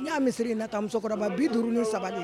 N y'a miri in la ka musokɔrɔba kɔrɔ bi duuru ni saba sabali